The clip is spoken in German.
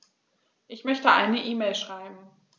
Ich möchte eine E-Mail schreiben.